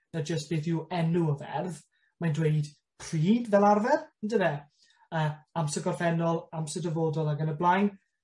na jyst beth yw enw y ferf, mae'n dweud pryd, fel arfer, on'd yfe? Yy amser gorffennol amser dyfodol ag yn y blaen.